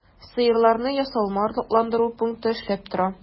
Сыерларны ясалма орлыкландыру пункты эшләп тора.